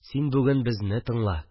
Син бүген безне тыңла